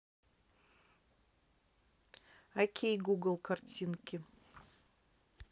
окей google картинки